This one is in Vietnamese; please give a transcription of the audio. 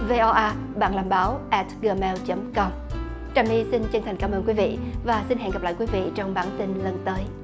vê o a bạn làm báo ẹt gờ meo chấm com trà my xin chân thành cảm ơn quý vị và xin hẹn gặp lại quý vị trong bản tin lần tới